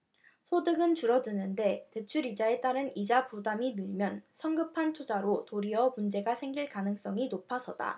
소득은 줄어드는데 대출에 따른 이자 부담이 늘면 성급한 투자로 도리어 문제가 생길 가능성이 높아서다